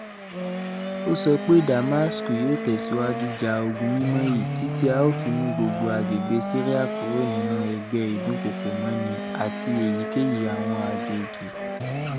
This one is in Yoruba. O sọ pe Damasku yoo tẹsiwaju "ja ogun mimọ yii titi a o fi mu gbogbo agbegbe Siria" kúrò nínú awọn ẹgbẹ idunkoko mọni ati "eyikeyi awọn ajoji."